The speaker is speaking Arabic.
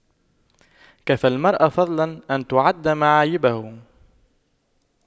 كفى المرء فضلا أن تُعَدَّ معايبه